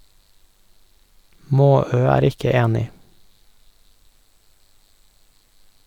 Maaø er ikke enig.